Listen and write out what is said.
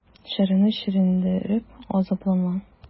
Шәрәне чишендереп азапланма.